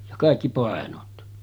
ja kaikki painot